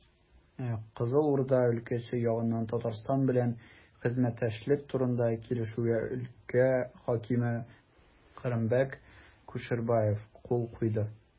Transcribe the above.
Кызыл Урда өлкәсе ягыннан Татарстан белән хезмәттәшлек турында килешүгә өлкә хакиме Кырымбәк Кушербаев кул куйды.